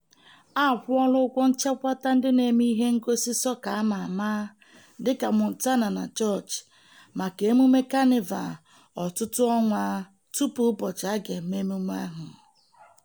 A kwụọla ụgwọ nchekwata ndị na-eme ihe ngosi sọka a ma ama dịka Montana na George maka emume Kanịva ọtụtụ ọnwa tupu ụbọchị a ga-eme emume ahụ.